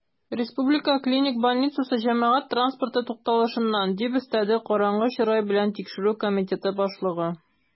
"ркб җәмәгать транспорты тукталышыннан", - дип өстәде караңгы чырай белән тикшерү комитеты башлыгы.